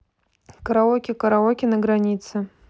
караоке караоке на границе